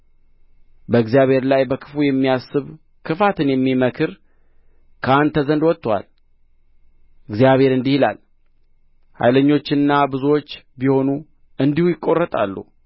በእግዚአብሔር ላይ በክፉ የሚያስብ ክፋትን የሚመክር ከአንተ ዘንድ ወጥቶአል እግዚአብሔር እንዲህ ይላል ኃይለኞችና ብዙዎች ቢሆኑ እንዲሁ ይቈረጣሉ